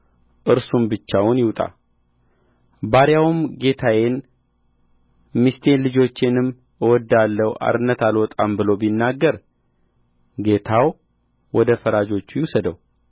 እርሱም ብቻውን ይውጣ ባሪያውም ጌታዬን ሚስቴን ልጅቼንም እወድዳለሁ አርነት አልወጣም ብሎ ቢናገር ጌታው ወደ ፈራጆች ይውሰደው